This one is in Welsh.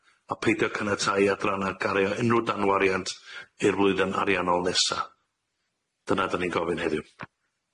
A peidio caniatáu i adranna gario unrhyw dan wariant i'r flwyddyn ariannol nesa. Dyna da ni'n gofyn heddiw.